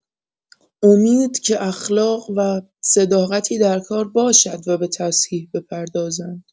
امید که اخلاق و صداقتی درکار باشد و به تصحیح بپردازند.